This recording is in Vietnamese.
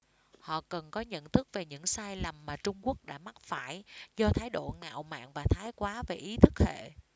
họ cần có nhận thức về những sai lầm mà trung quốc đã mắc phải do thái độ ngạo mạn và thái quá về ý thức hệ